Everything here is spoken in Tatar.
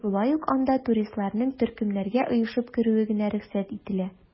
Шулай ук анда туристларның төркемнәргә оешып керүе генә рөхсәт ителә.